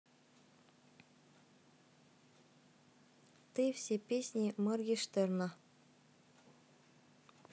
ты все песни моргенштерна